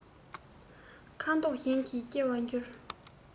ཁ དོག གཞན ཞིག སྐྱེ བར འགྱུར